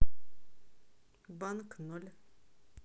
банк ноль